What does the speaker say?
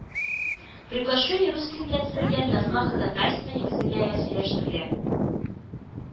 Приглашение рус телендә төзелгән язма ходатайство нигезендә рәсмиләштерелә